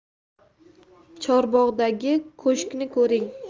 chorbog'dagi ko'shkni ko'ring